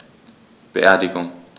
Beerdigung